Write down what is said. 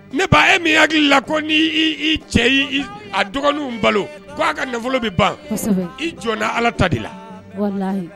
Ne ba ye minki la ko n'' cɛ a dɔgɔnin balo k aa ka nafolo bɛ ban i jɔnda ala ta de la